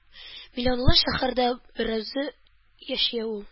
Миллионлы шәһәрдә берүзе яши ул.